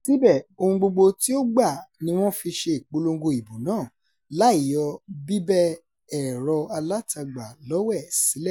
Síbẹ̀, ohun gbogbo tí ó gbà ni wọ́n fi ṣe ìpolongo ìbò náà, láì yọ bíbẹ ẹ̀rọ alátagbà lọ́wẹ̀ sílẹ̀.